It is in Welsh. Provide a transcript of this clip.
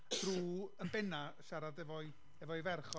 drwy yn bennaf siarad efo'i, efo'i ferch o...